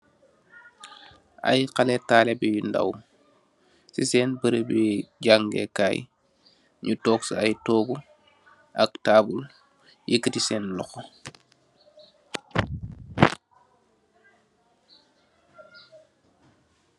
Ay xalee taalube yu ndaw, si seen berëbu jaage kaay. Ñu took si toogu ak taabul, yekati sen loxo.